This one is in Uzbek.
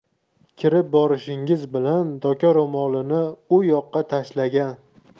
kirib borishingiz bilan doka ro'molini u yoqqa tashlagan